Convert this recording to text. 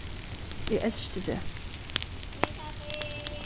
eg elski teg s